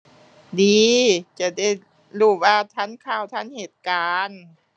ดี จะได้รู้ว่าทันข่าว ทันเหตุการณ์